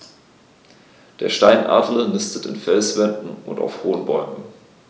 Der Steinadler nistet in Felswänden und auf hohen Bäumen.